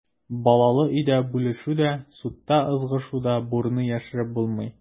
Балалы өйдә бүлешү дә, судта ызгышу да, бурны яшереп булмый.